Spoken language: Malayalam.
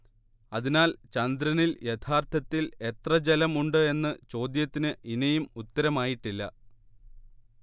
അതിനാൽ ചന്ദ്രനിൽ യഥാർത്ഥത്തിൽ എത്ര ജലമുണ്ട് എന്ന ചോദ്യത്തിന് ഇനിയും ഉത്തരമായിട്ടില്ല